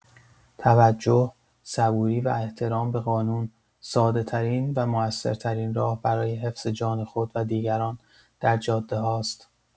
توجه، صبوری و احترام به قانون، ساده‌‌ترین و موثرترین راه برای حفظ جان خود و دیگران در جاده‌هاست.